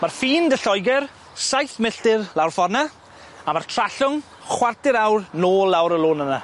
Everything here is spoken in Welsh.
Ma'r ffin 'dy Lloeger saith milltir lawr ffor 'ny a ma'r Trallwng chwarter awr nôl lawr y lôn yna.